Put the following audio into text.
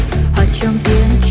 trên